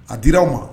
A dila aw ma